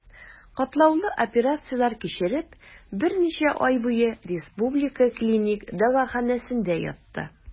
Катлаулы операцияләр кичереп, берничә ай буе Республика клиник дәваханәсендә ятты.